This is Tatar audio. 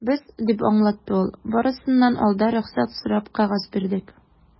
Без, - дип аңлатты ул, - барысыннан алда рөхсәт сорап кәгазь бирдек.